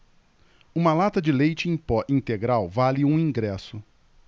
uma lata de leite em pó integral vale um ingresso